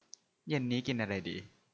เย็นนี้กินอะไรดี